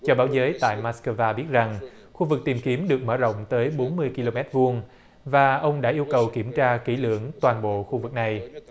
cho báo giới tại mát cơ va biết rằng khu vực tìm kiếm được mở rộng tới bốn mươi ki lô mét vuông và ông đã yêu cầu kiểm tra kỹ lưỡng toàn bộ khu vực này